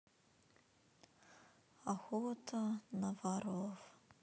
охота на воров